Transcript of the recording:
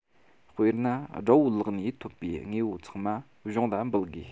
དཔེར ན དགྲ བོའི ལག ནས ཐོབ པའི དངོས པོ ཚང མ གཞུང ལ འབུལ དགོས